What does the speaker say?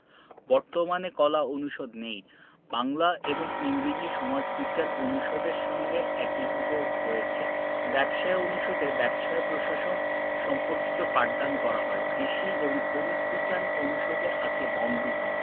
বর্তমানে কলা অনুষদ নেই বাংলা এবং ইংরেজি সমাজবিজ্ঞান অনুষদের সঙ্গে একীভূত হয়েছে ব্যবসায় অনুষদে ব্যবসায় প্রশাসন সম্পর্কিত পাঠদান করা হয় কৃষি এবং খনিজ বিজ্ঞান অনুষদে আছে বন বিভাগ